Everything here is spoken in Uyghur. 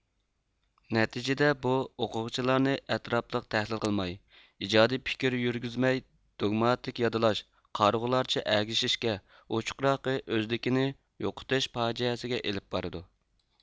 نەتىجىدە بۇ ئوقۇغۇچىلارنى ئەتراپلىق تەھلىل قىلماي ئىجادىي پىكىر يۈرگۈزمەي دۇگماتىك يادلاش قارىغۇلارچە ئەگىشىشكە ئوچۇقراقى ئۆزلۈكىنى يوقىتىش پاجىئەسىگە ئېلىپ بارىدۇ